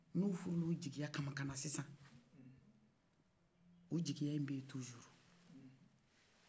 n'o furula o jiogiya kama kana sisan o jigiya ɲi bɛyi tuzur